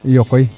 iyo koy